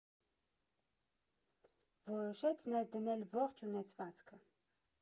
Որոշեց ներդնել ողջ ունեցվածքը։